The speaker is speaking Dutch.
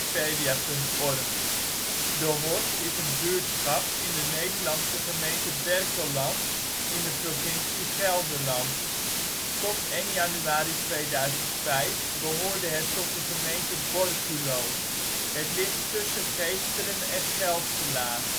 een buurtschap in de Nederlandse gemeente Berkelland in de provincie Gelderland. Tot 1 januari 2005 behoorde het tot de gemeente Borculo. Het ligt tussen Geesteren en Gelselaar